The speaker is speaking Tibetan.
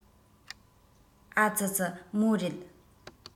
ཨ ཙི ཙི མོ རེ